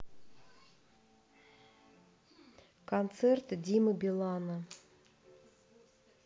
концерт димы билана